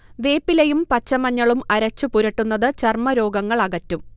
വേപ്പിലയും പച്ചമഞ്ഞളും അരച്ചു പുരട്ടുന്നത് ചർമ രോഗങ്ങളകറ്റും